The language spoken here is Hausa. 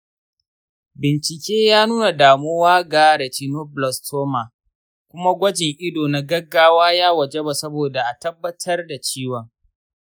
bincike ya nuna damuwa ga retinoblastoma, kuma gwajin ido na gaggawa ya wajaba saboda a tabbatar da ciwon.